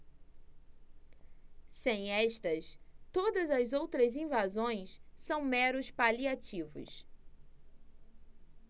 sem estas todas as outras invasões são meros paliativos